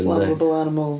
Flammable animal.